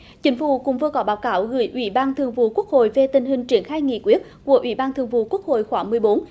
chính phủ cũng vừa có báo cáo gửi ủy ban thường vụ quốc hội về tình hình triển khai nghị quyết của ủy ban thường vụ quốc hội khóa mười bốn